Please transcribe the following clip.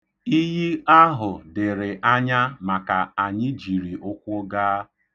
Iyi ahụ dịrị anya maka anyị jiri ụkwụ gaa.